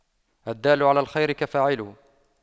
الدال على الخير كفاعله